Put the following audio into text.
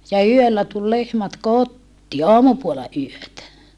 ja yöllä tuli lehmät kotiin aamupuolella yötä